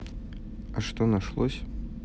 а что нашлось